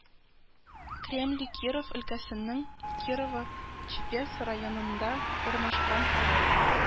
Кремли Киров өлкәсенең Кирово-Чепецк районында урнашкан авыл